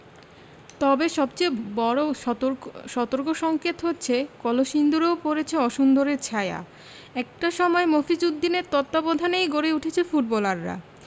তবে সবচেয়ে বড় সতর্কসংকেত হচ্ছে কলসিন্দুরেও পড়েছে অসুন্দরের ছায়া একটা সময় মফিজ উদ্দিনের তত্ত্বাবধানেই গড়ে উঠেছে ফুটবলাররা